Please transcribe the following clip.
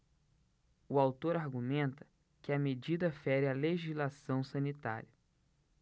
o autor argumenta que a medida fere a legislação sanitária